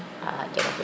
xa a jega fuliim